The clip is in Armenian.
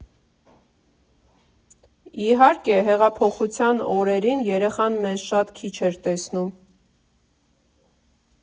Իհարկե, հեղափոխության օրերին երեխան մեզ շատ քիչ էր տեսնում.